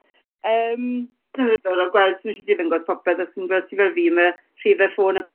Yym. Diddorol gweld sdim isie ti ddangos popeth os ti'n gwel- os ti fel fi ma' rhife ffôn a